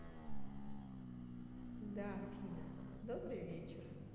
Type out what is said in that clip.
да афина добрый вечер